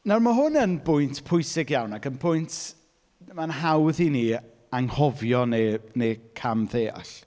Nawr, ma' hwn yn bwynt pwysig iawn ac yn pwynt mae'n hawdd i ni anghofio neu neu camddeall.